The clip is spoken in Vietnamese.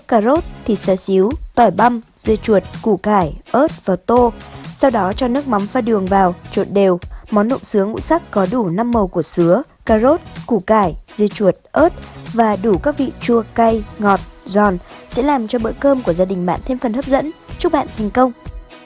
cà rốt thịt xá xíu tỏi băm dưa chuột củ cải ớt vào tô sau đó cho nước mắm pha đường vào trộn đều món nộm sứa ngũ sắc có đủ năm mầu của sứa cà rốt củ cải dưa chuột ớt và đủ các vị chua cay ngọt giòn sẽ làm cho bữa cơm của gia đình bạn thêm phần hấp dẫn chúc bạn thành công